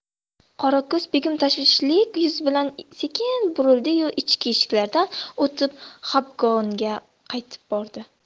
qorako'z begim tashvishli yuz bilan sekin burildi yu ichki eshiklardan o'tib xobgohga qaytib bordi